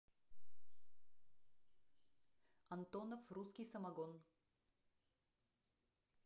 антонов русский самогон